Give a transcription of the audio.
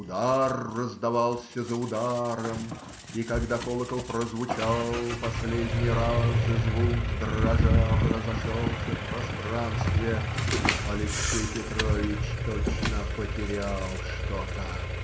Удар раздавался за ударом, и когда колокол прозвучал последний раз и звук, дрожа, разошелся в пространстве, Алексей Петрович точно потерял что-то.